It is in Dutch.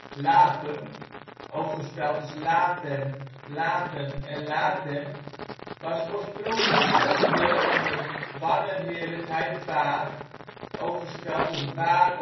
Lathum, ook gespeld als Lathem, Laten en Latem, was oorspronkelijk onderdeel van de bannerheerlijkheid Bahr (ook gespeld als Baar